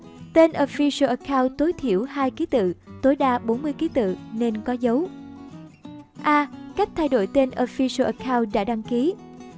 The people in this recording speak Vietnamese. tên official account tối thiểu kí tự tối đa kí tự nên có dấu a cách thay đổi tên official account đã đăng kí